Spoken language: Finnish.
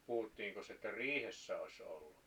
puhuttiinkos että riihessä olisi ollut